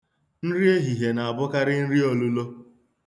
Nri ehihie na-abụkarị nri olulo.